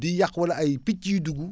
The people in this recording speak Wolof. di yàq wala ay picc yu dugg